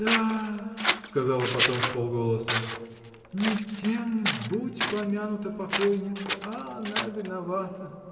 — Да, — сказала потом вполголоса, — не тем будь помянута покойница, а она виновата!